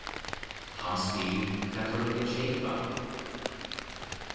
hann spyr hvat teir vilja keypa